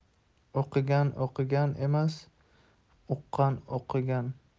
o'qigan o'qigan emas uqqan o'qigan